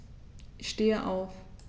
Ich stehe auf.